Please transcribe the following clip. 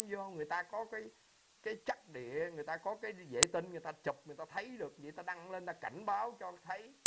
dô người ta có cái cái trắc địa người ta có cái dễ tin người ta chụp người ta thấy được người ta đăng lên người ta cảnh báo cho thấy